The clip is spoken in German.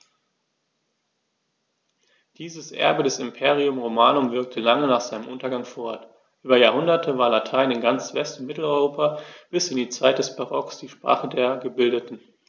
Dieses Erbe des Imperium Romanum wirkte lange nach seinem Untergang fort: Über Jahrhunderte war Latein in ganz West- und Mitteleuropa bis in die Zeit des Barock die Sprache der Gebildeten.